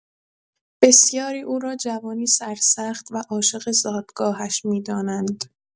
بسیاری او را جوانی سرسخت و عاشق زادگاهش می‌دانند.